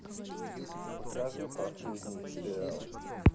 покажи последние сериалы